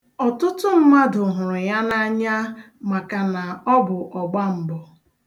Ọtụtụ mmadụ hụrụ ya n'anya maka na ọ bụ ọgbambọ.